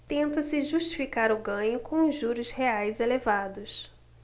tenta-se justificar o ganho com os juros reais elevados